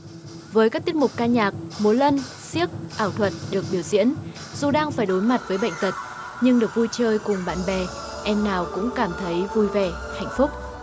với các tiết mục ca nhạc múa lân xiếc ảo thuật được biểu diễn dù đang phải đối mặt với bệnh tật nhưng được vui chơi cùng bạn bè em nào cũng cảm thấy vui vẻ hạnh phúc